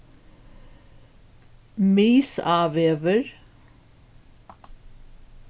misávegur